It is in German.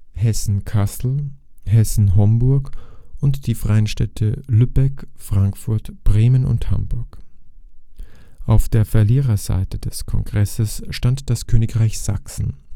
Hessen-Kassel, Hessen-Homburg und die freien Städte Lübeck, Frankfurt, Bremen und Hamburg. Auf der Verliererseite des Kongresses stand das Königreich Sachsen